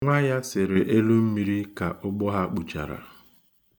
Nwa ya sere elu mmiri ka ụgbọ ha kpuchara.